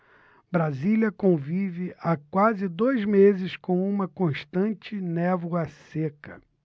brasília convive há quase dois meses com uma constante névoa seca